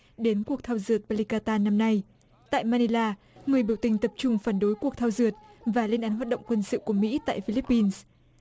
đến cuộc thao dượt ba li ca tan năm nay tại man ni la người biểu tình tập trung phản đối cuộc thao dượt và lên án hoạt động quân sự của mỹ tại phi líp pin